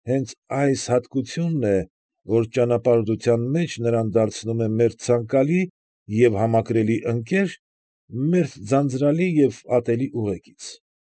Հենց այս հատկությունն է, որ ճանապարհորդության մեջ նրան դարձնում է մերթ ցանկալի և համակրելի ընկեր, մերթ ձանձրալի և ատելի ուղեկից։